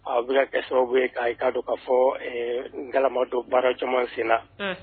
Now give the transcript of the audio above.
A bɛ kɛ sababu bɛ ka' don k kaa fɔ galama dɔ baara caman sen na